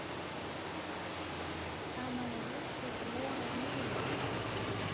самое лучшее приора в мире